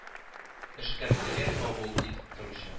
Эшкәртергә кабул итеп торучы